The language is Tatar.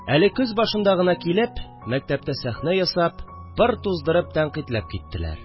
Әле көз башында гына килеп, мәктәптә сәхнә ясап, пыр туздырып тәнкыйтьләп киттеләр